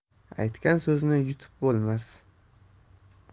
aytgan so'zni yutib bo'lmas